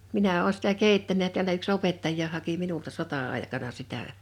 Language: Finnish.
minä olen sitä keittänyt ja täällä yksi opettajakin haki minulta sota-aikana sitä